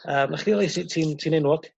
yym nachdi 'li ti'n... ti'n... ti'n enwog